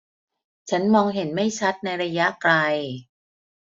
ฉันมองเห็นไม่ชัดในระยะไกล